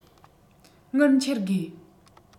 དངུལ འཁྱེར དགོས